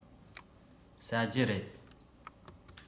ཟ རྒྱུ རེད